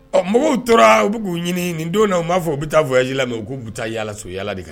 Ɔ mɔgɔw tora u bɛ k'u ɲini nin don b'a fɔ u bɛ taayaji la mɛ u'u bɛ taa yaala so yaa yalala de kan